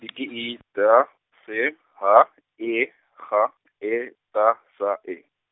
I D S H E G E D S E.